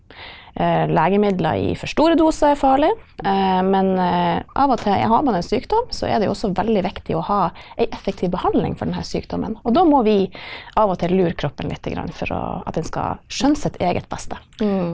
legemidler i for store doser er farlig , men av og til har man en sykdom, så er det jo også veldig viktig å ha ei effektiv behandling for den her sykdommen, og da må vi av og til lure kroppen lite grann, for å at den skal skjønne sitt eget beste.